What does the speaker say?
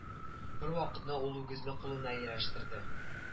Бервакытны ул үгезне кулына ияләштерде